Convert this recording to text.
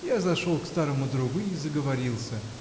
Я зашел к старому другу и заговорился.